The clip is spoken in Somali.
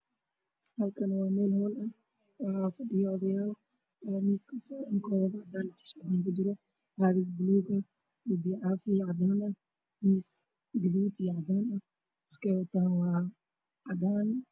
Halkaan waxaa ka muuqdo niman odayaal ah oo shiraayo background daaha ku xiran waa guduud iyo cadaan miiska waxaa u saaran biyo caafi iyo koob caano ku jiraan